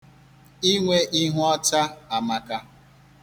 Inwe ihu ọcha amaka.